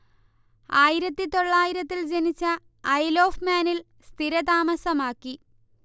ആയിരത്തി തൊള്ളായിരത്തിൽ ജനിച്ച ഐൽ ഒഫ് മാനിൽ സ്ഥിരതാമസമാക്കി